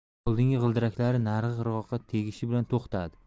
oldingi g'ildiraklari narigi qirg'oqqa tegishi bilan to'xtadi